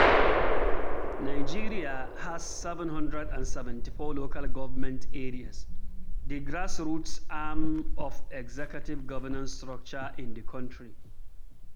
Nigeria has 774 local government areas, the grassroots arm of executive governance structure in the country.